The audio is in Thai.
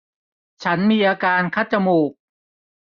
ฉันมีอาการคัดจมูก